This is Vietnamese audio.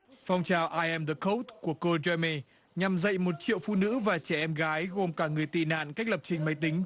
phong trào ai em dơ cấu của cô dem mi nhằm dạy một triệu phụ nữ và trẻ em gái gồm cả người tị nạn cách lập trình máy tính